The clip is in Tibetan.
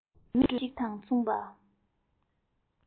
སྒྲོན མེ ཞིག དང མཚུངས པ